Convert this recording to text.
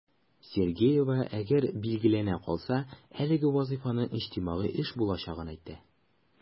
Сергеева, әгәр билгеләнә калса, әлеге вазыйфаның иҗтимагый эш булачагын әйтә.